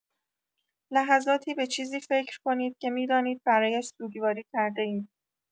لحظاتی به چیزی فکر کنید که می‌دانید برایش سوگواری کرده‌اید.